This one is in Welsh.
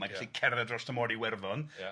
mae'n gallu cerdded dros y môr i Iwerddon. Ia.